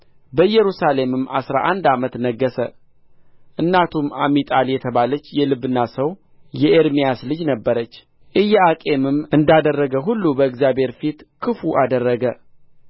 በኢየሩሳሌምም አሥራ አንድ ዓመት ነገሠ እናቱም አሚጣል የተባለች የልብና ሰው የኤርምያስ ልጅ ነበረች ኢዮአቄምም እንዳደረገ ሁሉ በእግዚአብሔር ፊት ክፉ አደረገ